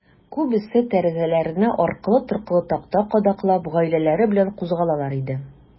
Күбесе, тәрәзәләренә аркылы-торкылы такта кадаклап, гаиләләре белән кузгалалар иде.